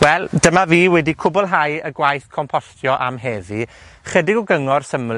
Wel, dyma fi wedi cwbwlhau y gwaith compostio am heddi. Chydig o gyngor syml